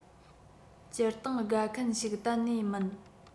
སྤྱིར བཏང དགའ མཁན ཞིག གཏན ནས མིན